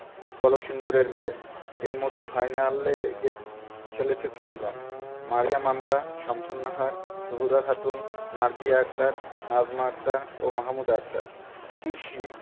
কলসিন্দুরের মেয়ে এর মধ্যে ফাইনালে খেলেছে ৬ জন মারিয়া মান্দা শামসুন্নাহার তহুরা খাতুন মার্জিয়া আক্তার নাজমা আক্তার ও মাহমুদা আক্তার কৃষি